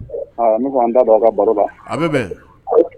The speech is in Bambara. Ne an da dɔn aw ka baroba aw bɛ bɛn